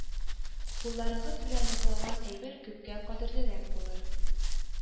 Кулларыгыз белән ясалган әйбер күпкә кадерлерәк булыр